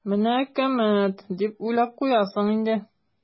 "менә әкәмәт" дип уйлап куясың инде.